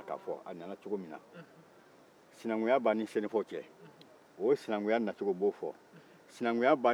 sinankuya b'an ni sɛnɛfɔw cɛ o sinankuya nacogo n b'o fɔ sinankuya b'an ni ganaw cɛ